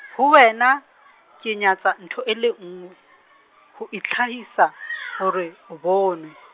ho wena, ke nyatsa ntho e le nngwe, ho itlhahisa, hore, o bonwe.